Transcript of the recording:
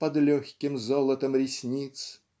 "под легким золотом ресниц"